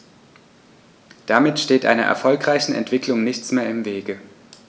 Damit steht einer erfolgreichen Entwicklung nichts mehr im Wege.